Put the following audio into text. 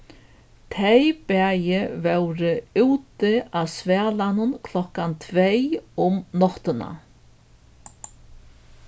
tey bæði vóru úti á svalanum klokkan tvey um náttina